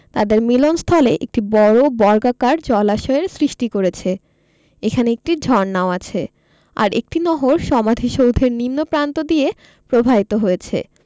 তাদের মিলনস্থলে একটি বড় বর্গাকার জলাশয়ের সৃষ্টি করেছে এখানে একটি ঝর্ণাও আছে আর একটি নহর সমাধিসৌধের নিম্ন প্রান্ত দিয়ে প্রবাহিত হয়েছে